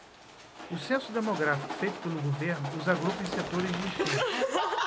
o censo demográfico feito pelo governo os agrupa em setores distintos